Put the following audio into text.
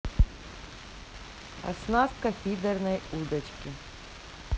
оснастка фидерной удочки